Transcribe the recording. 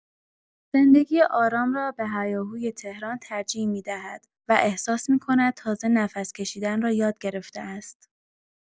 زندگی آرام را به هیاهوی تهران ترجیح می‌دهد و احساس می‌کند تازه‌نفس کشیدن را یاد گرفته است.